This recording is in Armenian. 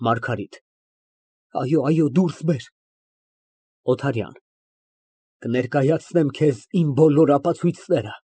ՄԱՐԳԱՐԻՏ ֊ Այո, այո դուրս բեր։ ՕԹԱՐՅԱՆ ֊ Կներկայացնեմ քեզ իմ բոլոր ապացույցները։